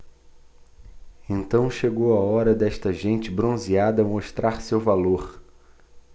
então chegou a hora desta gente bronzeada mostrar seu valor